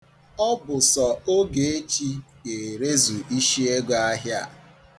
Ọ bụ sọ Ogechi ga-erezu isiego ahịa.